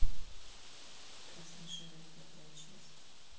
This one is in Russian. красный шарик пятая часть